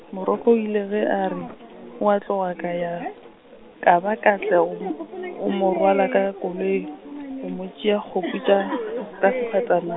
Moroko o ile ge a re, wa tloga ka ya, ka ba ka tla go -m, go mo rwala ka koloi, go mo tšea kgopu tša, ka sefatana.